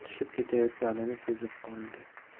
tushib ketayotganini sezib qoldi